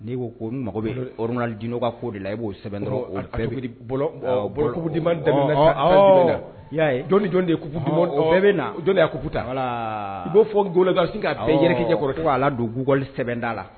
N'i' ko n mago bɛ Ronaldino ka ko de la i b'o sɛbɛn dɔrɔn o bɛɛ bi bɔlɔ bɔlɔ coupe du Mali daminɛ na jɔn ni jɔn de ye coupe du u bɛɛ bɛ na jɔn de y'a coupe ta voila i b'o fɔ goog ka sin k'a bɛɛ yɛrɛkɛ i ɲɛkɔrɔ ten ko k'a ladon google sɛbɛnda la